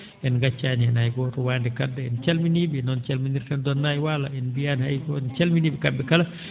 en ngaccaani hay heen goto Wandé Karbé en calminii?e noon calminirten Donnay waalo en mbiyaani hay gooto en calminii?e kam?e kala